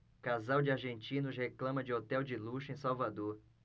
casal de argentinos reclama de hotel de luxo em salvador